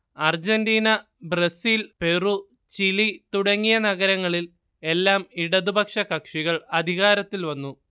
Argentina Brazil Peru Chile തുടങ്ങിയ നഗരങ്ങളിൽ എല്ലാം ഇടതുപക്ഷ കക്ഷികൾ അധികാരത്തിൽ വന്നു